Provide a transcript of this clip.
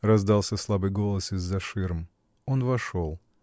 — раздался слабый голос из-за ширм. Он вошел.